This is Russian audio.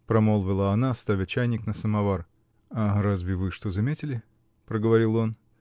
-- промолвила она, ставя чайник на самовар. -- А разве вы что заметили? -- проговорил он.